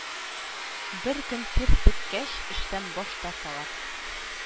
Бер көн кир түккәч, эштән баш тарталар